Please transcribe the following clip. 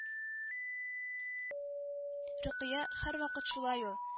-рөкыя, һәрвакыт шулай ул